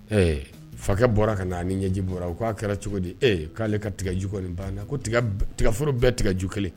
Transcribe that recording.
Ɛɛ fakɛ bɔra ka na a ɲɛji bɔra u k'a kɛra cogo di e k'ale ka tigaju kɔni banna ko tigaforo bɛɛ tigɛju kelen